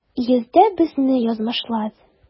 Йөртә безне язмышлар.